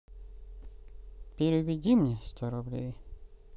переведи мне сто рублей